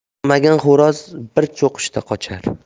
chiniqmagan xo'roz bir cho'qishda qochar